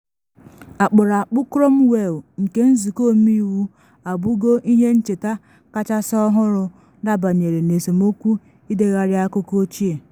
Akpụrụakpụ Cromwell nke nzụkọ omeiwu abụgo ihe ncheta kachasị ọhụrụ dabanyere n’esemokwu ‘ịdegharị akụkọ ochie’.